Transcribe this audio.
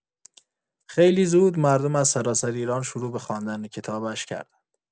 خیلی زود، مردم از سراسر ایران شروع به خواندن کتابش کردند.